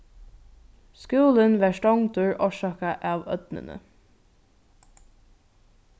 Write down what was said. skúlin varð stongdur orsakað av ódnini